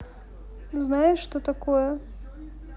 знаешь что такое